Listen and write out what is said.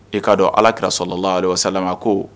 E k'a dɔn alaki sɔrɔlala la sa ko